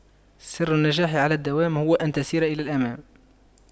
سر النجاح على الدوام هو أن تسير إلى الأمام